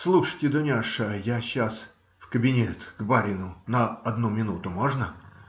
Слушайте, Дуняша, я сейчас в кабинет к барину на одну минуту. Можно?